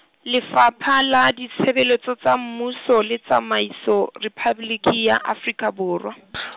Lefapha la Ditshebeletso tsa Mmuso le tsamaiso, Rephaboliki ya Afrika Borwa .